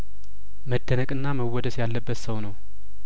መደነቅና መወደስ ያለበት ሰው ነው